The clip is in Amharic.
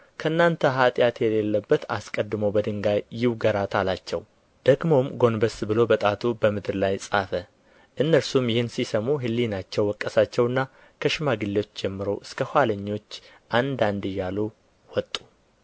ከእናንተ ኃጢአት የሌለበት አስቀድሞ በድንጋይ ይውገራት አላቸው ደግሞም ጐንበስ ብሎ በጣቱ በምድር ላይ ጻፈ እነርሱም ይህን ሲሰሙ ሕሊናቸው ወቀሳቸውና ከሽማግሌዎች ጀምረው እስከ ኋለኞች አንድ አንድ እያሉ ወጡ